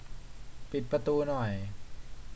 ปิดประตูหน่อย